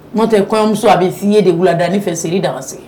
N'o tɛ koɲɔnmuso a bɛ f'ye de wula dan nin fɛ seridaga sigi.